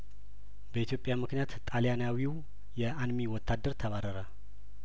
በኢትዮጵያ ምክንያት ጣልያናዊው የአንሚ ወታደር ተባረረ